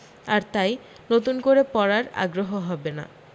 আর তাই নতুন করে পড়ার আগ্রহ হবে না